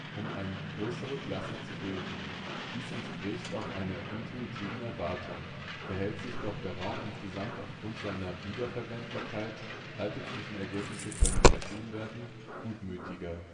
um eine größere Klasse zu bilden. Dies entspricht auch einer intuitiven Erwartung, verhält sich doch der Raum insgesamt aufgrund seiner Wiederverwendbarkeit (alte Zwischenergebnisse können überschrieben werden) gutmütiger